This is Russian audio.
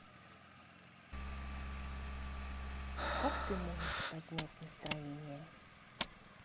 как ты можешь поднять настроение